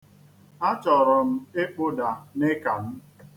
Achọrọ m ịkpụda nịka m.